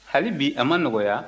hali bi a ma nɔgɔya